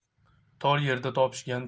tor yerda topishgan